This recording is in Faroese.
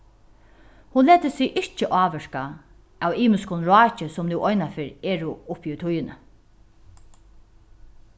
hon letur seg ikki ávirka av ymiskum ráki sum nú einaferð eru uppi í tíðini